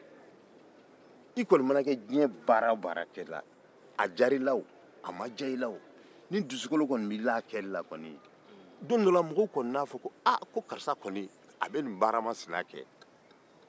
i kɔni mana kɛ diɲɛ baara o baara kɛla a diyara i la o a ma diya i la ni dusukolo kɔni b'i la mɔgɔ n'a fɔ don dɔ la ko karisa bɛ nin baara masina kɛ